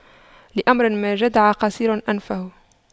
لأمر ما جدع قصير أنفه